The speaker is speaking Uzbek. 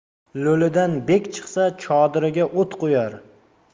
lo'lidan bek chiqsa chodiriga o't qo'yar